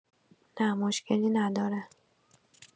نه، مشکلی نداره.